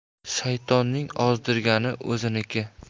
shaytonning ozdirgani o'ziniki